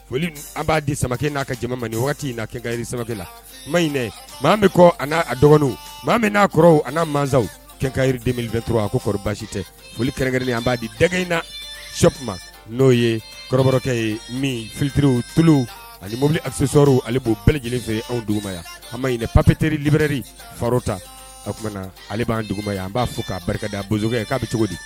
Foli an b'a di samakɛ n'a ka jama man ni wagati in na kɛkanri sama la maɲinɛ bɛ kɔ'a dɔgɔnini bɛ n'a kɔrɔw an maw kɛkanridenfɛ to a ko kɔrɔɔri basi tɛ foli kɛrɛnkɛrɛnnen an b'a di dɛgɛ in na sɔ n'o ye kɔrɔkɛ ye min fitiri tulu alibbili asesiraw ale b'o bɛɛ lajɛlen fɛ ye anw duguma yan hayinɛ papfete libri fa ta o tumaumana na ale b'an duguba ye an b'a fɔ k'a barika da a bokɛ k'a bɛ cogo di